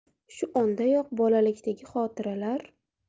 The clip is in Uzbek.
shu ondayoq bolalikdagi xotiralar